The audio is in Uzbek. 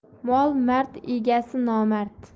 mol mard egasi nomard